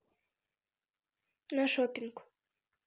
на шоппинг